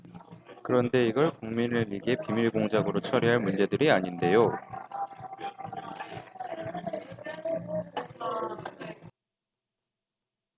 그런데 이걸 국민을 이게 비밀 공작으로 처리할 문제들이 아닌데요